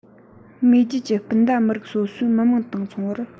མེས རྒྱལ གྱི སྤུན ཟླ མི རིགས སོ སོའི མི དམངས དང མཚུངས པར